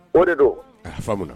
O de don a faamuyauna